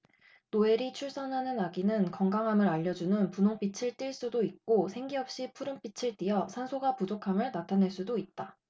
노엘이 출산하는 아기는 건강함을 알려 주는 분홍빛을 띨 수도 있고 생기 없이 푸른빛을 띠어 산소가 부족함을 나타낼 수도 있다